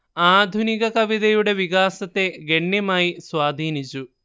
ആധുനിക കവിതയുടെ വികാസത്തെ ഗണ്യമായി സ്വാധീനിച്ചു